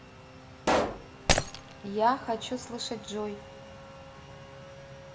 я хочу слышать джой